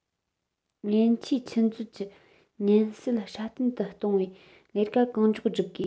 ཉེན ཆེའི ཆུ མཛོད ཀྱི ཉེན སེལ སྲ བརྟན དུ གཏོང བའི ལས ཀ གང མགྱོགས བསྒྲུབ དགོས